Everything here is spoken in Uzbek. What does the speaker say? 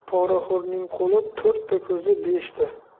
poraxo'rning qo'li to'rtta ko'zi beshta